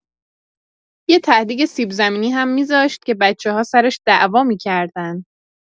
یه ته‌دیگ سیب‌زمینی هم می‌ذاشت که بچه‌ها سرش دعوا می‌کردن.